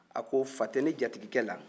a ko fa tɛ ne jatigikɛ la